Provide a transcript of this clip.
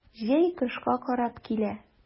Җәй кышка карап килә.